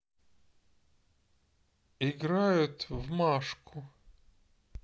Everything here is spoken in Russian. играют в машку